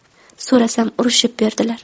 so'rasam urishib berdilar